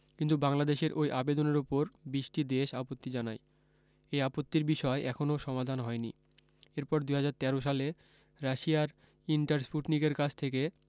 কিন্তু বাংলাদেশের ওই আবেদনের ওপর ২০টি দেশ আপত্তি জানায় এই আপত্তির বিষয় এখনো সমাধান হয়নি এরপর ২০১৩ সালে রাশিয়ার ইন্টারস্পুটনিকের কাছ থেকে